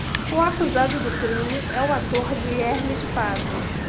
o acusado do crime é o ator guilherme de pádua